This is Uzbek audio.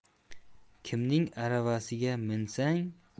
kimning aravasiga minsang